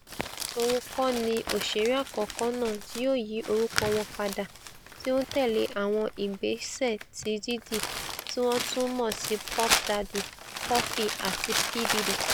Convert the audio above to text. Òun kọ́ni òṣèré àkọ́kọ́ náà ti yóò yí orúkọ wọn padà tí ó ńtẹ̀lé àwọn ìgbésẹ̀ ti Diddy, tíwọ́n tún mọ̀ sí Puff Daddy, Puffy àti P Diddy.